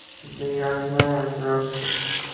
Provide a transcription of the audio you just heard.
да я знаю я просто